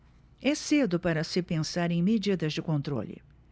é cedo para se pensar em medidas de controle